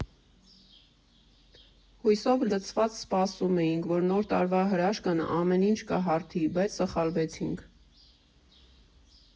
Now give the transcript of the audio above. Հույսով լցված սպասում էինք, որ Նոր տարվա հրաշքն ամեն ինչ կհարթի, բայց սխալվեցինք։